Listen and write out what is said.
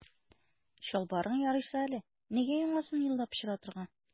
Чалбарың ярыйсы әле, нигә яңасын юлда пычратырга.